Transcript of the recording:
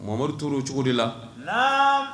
Mamamaduri tora o cogo de la